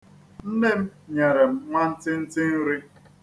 Nne m nyere m nwantịntị nri.